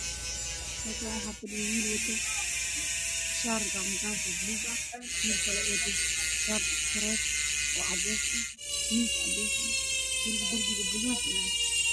Halkaan waxaa fadhiyo wiil wato shaar gacmo gaab ah oo buluug ah iyo wiil kale oo wato shaar dhaqtareed oo cadaan ah, miis cadeys ah, guriga darbigiisu buluug.